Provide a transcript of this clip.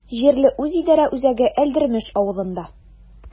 Җирле үзидарә үзәге Әлдермеш авылында.